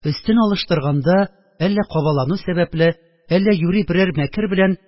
Өстен алыштырганда, әллә кабалану сәбәпле, әллә юри берәр мәкер белән